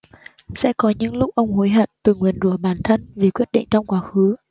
sẽ có những lúc ông hối hận tự nguyền rủa bản thân vì quyết định trong quá khứ